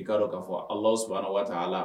I'a dɔn k'a fɔ ala sɔn waati ala la